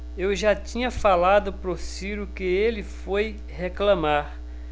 eu já tinha falado pro ciro que ele foi reclamar